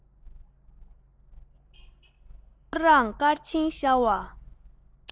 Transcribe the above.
ཐོ རངས སྐར ཆེན ཤར བ